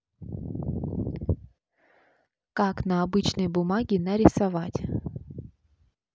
как на обычной бумаге нарисовать